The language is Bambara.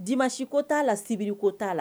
Di masiko t'a la sibiriko'a la